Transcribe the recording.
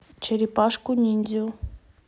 черепашку ниндзю